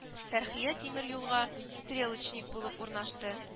Фәрхия тимер юлга стрелочник булып урнашты